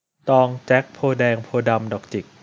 ตองแจ็คโพธิ์แดงโพธิ์ดำดอกจิก